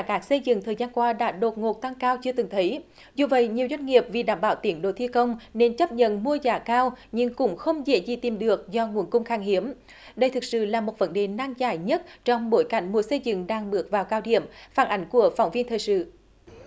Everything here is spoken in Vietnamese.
cát xây dựng thời gian qua đã đột ngột tăng cao chưa từng thấy dù vậy nhiều doanh nghiệp vì đảm bảo tiến độ thi công nên chấp nhận mua giá cao nhưng cũng không dễ gì tìm được do nguồn cung khan hiếm đây thực sự là một vấn đề nan giải nhất trong bối cảnh mùa xây dựng đang bước vào cao điểm phản ánh của phóng viên thời sự